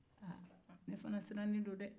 aa ne fana sirannen do dɛɛ